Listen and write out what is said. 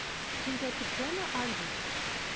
Син тәртиптәме, Альбус?